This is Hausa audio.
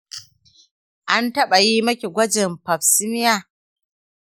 an taɓa yi miki gwajin pap smear?